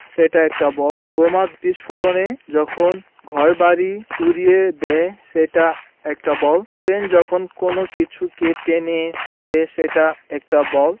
সেটা একটা বল বোমা বিস্ফোরণে যখন ঘরবাড়ি উড়িয়ে দেয় সেটা একটা বল ক্রেন যখন কোনো কিছুকে টেনে তুলে সেটা একটা বল